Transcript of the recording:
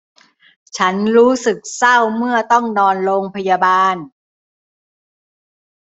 ฉันรู้สึกเศร้าเมื่อต้องนอนโรงพยาบาล